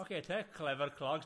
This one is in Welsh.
Oce te, clever clogs.